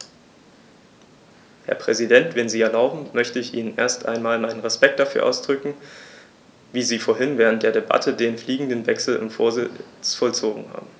Herr Präsident, wenn Sie erlauben, möchte ich Ihnen erst einmal meinen Respekt dafür ausdrücken, wie Sie vorhin während der Debatte den fliegenden Wechsel im Vorsitz vollzogen haben.